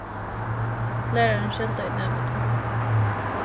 lærarin skeldaði næmingin